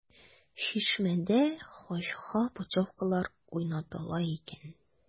“чишмә”дә хаҗга путевкалар уйнатыла икән.